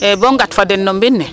e bo ngat fo den no mbind ne